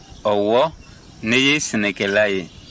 ɔwɔ ne ye sɛnɛkɛla ye